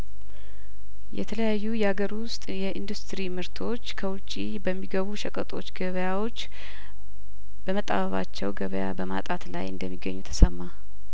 የተለያዩ ያገር ውስጥ የኢንዱስትሪ ምርቶች ከውጪ በሚገቡ ሸቀጦች ገበያዎች በመጣበባቸው ገበያ በማጣት ላይ እንደሚገኙ ተሰማ